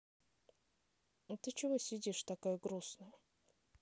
а ты чего сидишь такая грустная